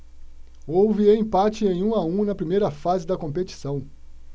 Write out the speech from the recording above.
houve empate em um a um na primeira fase da competição